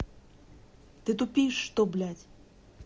ты тупишь что блядь